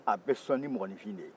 a bɛ son ni mɔgɔninfin de ye